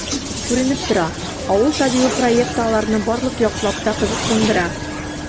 Күренеп тора,“Авыл табибы” проекты аларны барлык яклап та кызыксындыра.